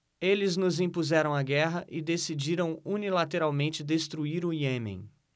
eles nos impuseram a guerra e decidiram unilateralmente destruir o iêmen